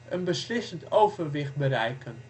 een beslissend overwicht bereiken